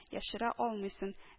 Яшерә алмыйсың)